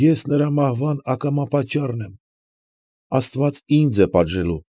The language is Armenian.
Ես նրա մահվան ակամա պատճառն եմ, աստված ինձ է պատժելու։